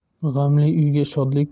g'amli uyga shodlik